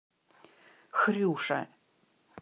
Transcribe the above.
хрюша